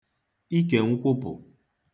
ikè nkwụpụ̀